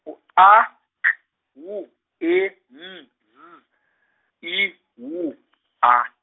ngu A, K, W, E, N, Z, I, W , A.